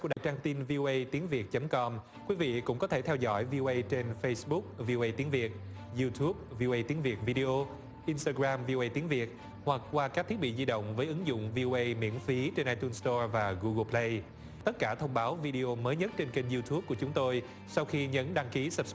trang tin vi ô ây tiếng việt chấm com quý vị cũng có thể theo dõi vi ô ây trên phây búc vi ô ây tiếng việt iu túp vi ô ây tiếng việt vi đi ô in tơ gờ ram vi ô ây tiếng việt hoặc qua các thiết bị di động với ứng dụng vi ô ây miễn phí trên ai tun sờ to và gu ghồ bờ lây tất cả thông báo vi đi ô mới nhất trên kênh iu túp của chúng tôi sau khi nhấn đăng ký sấp